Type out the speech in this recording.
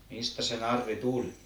mistä se narri tuli